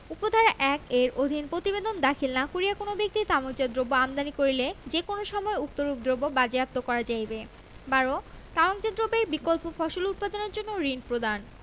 উপ ধারা ১ এর অধীন প্রতিবেদন দাখিল না করিয়া কোন ব্যক্তি তামাকজাত দ্রব্য আমদানি করিলে যে কোন সময় উক্তরূপ দ্রব্য বাজেয়াপ্ত করা যাইবে ১২ তামাকজাত দ্রব্যের বিকল্প ফসল উৎপাদনের জন্য ঋণ প্রদান